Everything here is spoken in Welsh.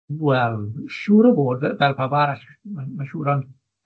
Wel, siŵr o fod, fe- fel pawb arall, ma'n ma'n siŵr ond